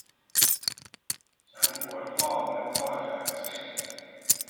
ฉันปวดข้อเหมือนข้อจะอักเสบ